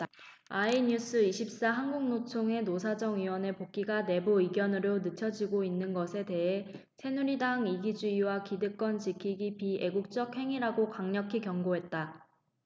아이뉴스 이십 사 한국노총의 노사정위원회 복귀가 내부 이견으로 늦춰지고 있는 것에 대해 새누리당이 이기주의와 기득권 지키기 비애국적 행위라고 강력히 경고했다